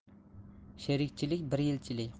sherikchilik bir yilchilik